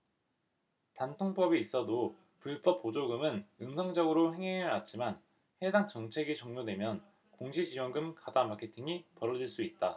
단통법이 있어도 불법 보조금은 음성적으로 횡행해왔지만 해당 정책이 종료되면 공시지원금 과다 마케팅이 벌어질 수 있다